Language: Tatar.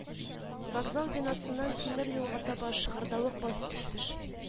Вокзал бинасыннан тимер юлга таба шыгырдавык баскыч төш